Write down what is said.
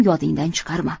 yodingdan chiqarma